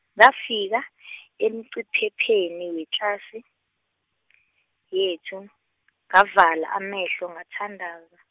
ngafika , emciphepheni wetlasi, yethu, ngavala amehlo ngathandaza.